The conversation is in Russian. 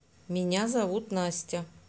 меня зовут настя